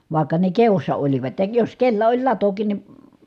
vaikka ne kedossa olivat ja jos kenellä oli latokin niin